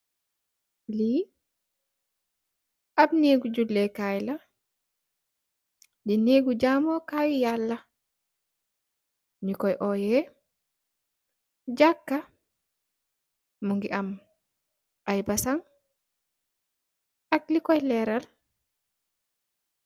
Lee ab neegu julee kaye la de neegu jamu kaye yallah nukuye oyeh jaaka muge am aye basang ak lukaye leral.